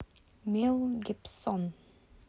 мел гибсон